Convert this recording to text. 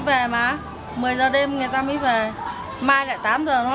và m mười giờ đêm người ta mới về mai là tám giờ nó